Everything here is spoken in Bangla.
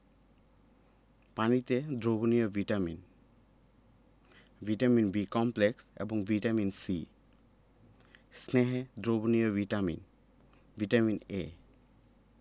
পানিতে দ্রবণীয় ভিটামিন ভিটামিন B কমপ্লেক্স এবং ভিটামিন C স্নেহে দ্রবণীয় ভিটামিন ভিটামিন A